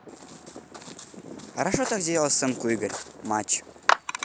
хорошо так сделал сценку игорь матч